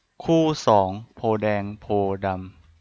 คู่สองโพธิ์แดงโพธิ์ดำ